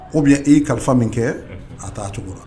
oubien i ye kalifa min kɛ a ta cogo la.